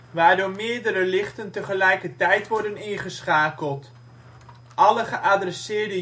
waardoor meerdere lichten tegelijkertijd worden ingeschakeld. Alle geadresseerde